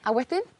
a wedyn